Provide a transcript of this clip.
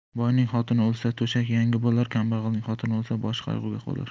boyning xotini o'lsa to'shak yangi bo'lar kambag'alning xotini o'lsa boshi qayg'uga qolar